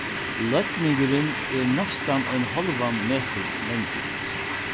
leidningurin er næstan ein hálvan metur langur